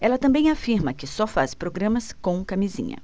ela também afirma que só faz programas com camisinha